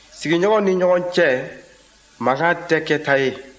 sigiɲɔgɔnw ni ɲɔgɔn cɛ mankan tɛ kɛta ye